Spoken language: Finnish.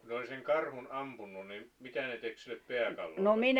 kun ne oli sen karhun ampunut niin mitä ne teki sille pääkallolle